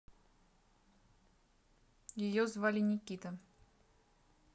ее звали никита